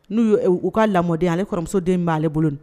N'u u ka lamɔden ale kɔrɔmuso den min b'ale bolo